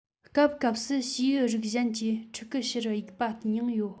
སྐབས སྐབས སུ བྱེའུ རིགས གཞན གྱི ཕྲུ གུ ཕྱིར གཡུག པ ཡང ཡོད